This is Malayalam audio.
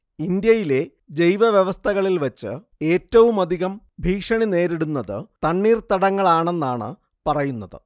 ഇന്ത്യയിലെ ജൈവവ്യവസ്ഥകളിൽ വെച്ച് ഏറ്റവുമധികം ഭീഷണിനേരിടുന്നത് തണ്ണീർതടങ്ങളാണെന്നാണ് പറയുന്നത്